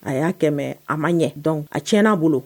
A y'a kɛmɛ a ma ɲɛ dɔn a tiɲɛ n'a bolo